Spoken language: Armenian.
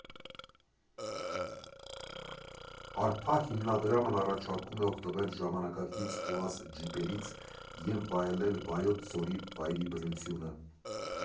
Արփա հիմնադրամն առաջարկում է օգտվել ժամանակակից ՈՒԱԶ ջիպերից և վայելել Վայոց ձորի վայրի բնությունը։